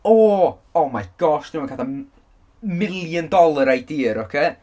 O! Oh my gosh, dwi newydd cael fatha m- million dollar idea ocê?